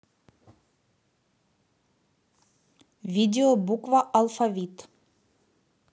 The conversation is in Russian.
видео буква алфавит